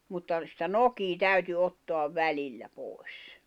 mutta sitä nokea täytyi ottaa välillä pois